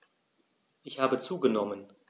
Ich habe zugenommen.